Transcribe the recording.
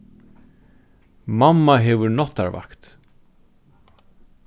mamma hevur náttarvakt